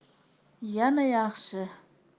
yana yaxshi